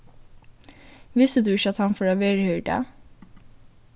visti tú ikki at hann fór at vera her í dag